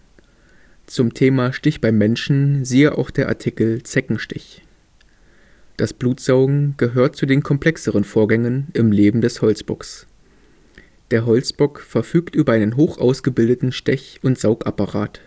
Zum Thema „ Stich beim Menschen “siehe auch Zeckenstich. Das Blutsaugen gehört zu den komplexeren Vorgängen im Leben des Holzbocks. Der Holzbock verfügt über einen hochausgebildeten Stech - und Saugapparat